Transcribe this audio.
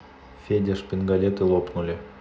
федя шпингалеты лопнули